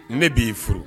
Ne b'i furu